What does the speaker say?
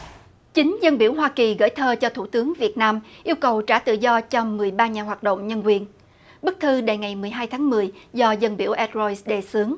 chính dân biểu hoa kỳ gởi thơ cho thủ tướng việt nam yêu cầu trả tự do cho mười ba nhà hoạt động nhân quyền bức thư đề ngày mười hai tháng mười do dân biểu e roi đề xướng